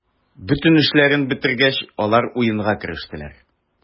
Бөтен эшләрен бетергәч, алар уенга керештеләр.